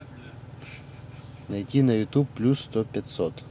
найти на ютуб плюс сто пятьсот